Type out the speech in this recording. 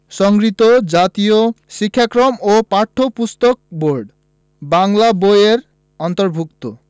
সংগৃহীত জাতীয় শিক্ষাক্রম ও পাঠ্যপুস্তক বোর্ড বাংলা বই এর অন্তর্ভুক্ত